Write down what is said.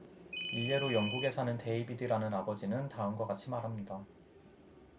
일례로 영국에 사는 데이비드라는 아버지는 다음과 같이 말합니다